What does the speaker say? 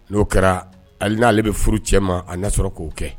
N'o kɛra hali n'ale bɛ furu cɛ ma, a na y'a sɔrɔ k'o kɛ.